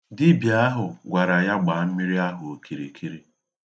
Dibia ahụ gwara ya gbaa mmiri ahụ okirkiri.